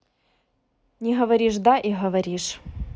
не говоришь да и говоришь